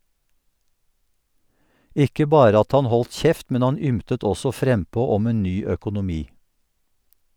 Ikke bare at han holdt kjeft, men han ymtet også frempå om en ny økonomi.